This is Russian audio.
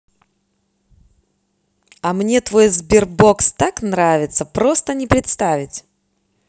а мне твой sberbox так нравится просто не представить